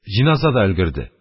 Җеназа да өлгерде